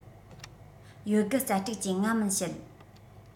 ཡོད རྒུ རྩལ སྤྲུགས ཀྱིས ང མིན བཤད